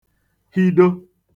hido